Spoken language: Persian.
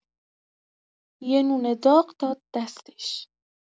یه نون داغ داد دستش.